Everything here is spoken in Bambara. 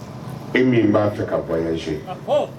E min b'a fɛ ka bɔz